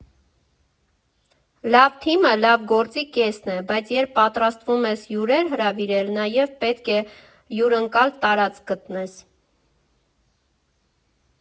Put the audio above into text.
Լավ թիմը լավ գործի կեսն է, բայց երբ պատրաստվում ես հյուրեր հրավիրել, նաև պետք է հյուրընկալ տարածք գտնես։